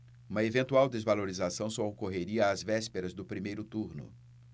uma eventual desvalorização só ocorreria às vésperas do primeiro turno